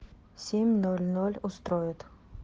семь ноль ноль устроит